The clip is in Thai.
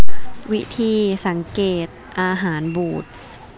วิธีสังเกตอาหารบูด